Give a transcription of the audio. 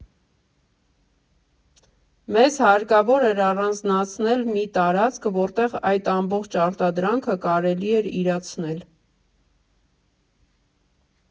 Մեզ հարկավոր էր առանձնացնել մի տարածք, որտեղ այդ ամբողջ արտադրանքը կարելի էր իրացնել։